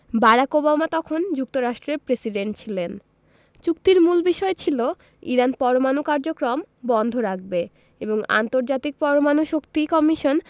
Barack Obama তখন যুক্তরাষ্ট্রের president ছিলেন চুক্তির মূল বিষয় ছিল ইরান পরমাণু কার্যক্রম বন্ধ রাখবে এবং আন্তর্জাতিক পরমাণু শক্তি কমিশন